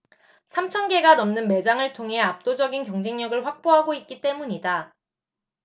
삼천 개가 넘는 매장을 통해 압도적인 경쟁력을 확보하고 있기 때문이다